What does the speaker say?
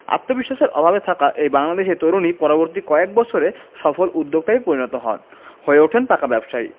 আত্মবিশ্বাসের অভাবে থাকা এই বাংলাদেশি তরুণই পরবর্তী কয়েক বছরে সফল উদ্যোক্তায় পরিণত হন হয়ে ওঠেন পাকা ব্যবসায়ী